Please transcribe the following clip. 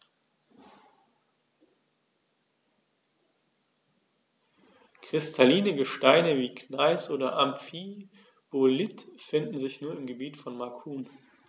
Kristalline Gesteine wie Gneis oder Amphibolit finden sich nur im Gebiet von Macun.